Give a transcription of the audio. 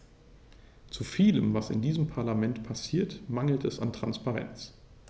Zu vielem, was in diesem Parlament passiert, mangelt es an Transparenz.